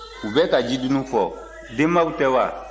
u bɛ ka jidunun fɔ denbaw tɛ wa